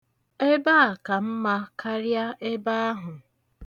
Nọọnwa ka mma karịa ebe ahụ.